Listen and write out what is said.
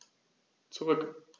Zurück.